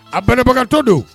A banbagagantɔ don